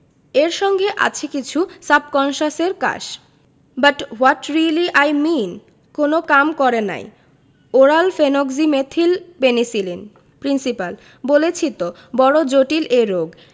এর সঙ্গে আছে কিছু সাবকন্সাসের কাশ but what really I mean কোন কাম করে নাই ওরাল ফেনোক্সিমেথিল পেনিসিলিন প্রিন্সিপাল বলেছি তো বড় জটিল এ রোগ